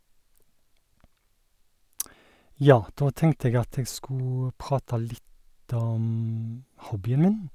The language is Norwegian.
Ja, da tenkte jeg at jeg skulle prate litt om hobbyen min.